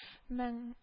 Мең